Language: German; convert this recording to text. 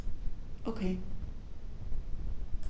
Okay.